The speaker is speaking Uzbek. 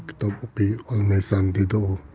kitob o'qiy olmaysan dedi u